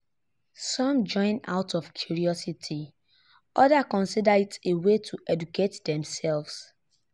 Some join out of curiosity; others consider it a way to educate themselves.